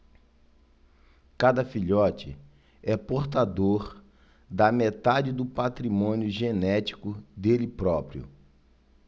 cada filhote é portador da metade do patrimônio genético dele próprio